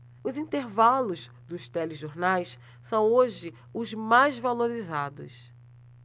os intervalos dos telejornais são hoje os mais valorizados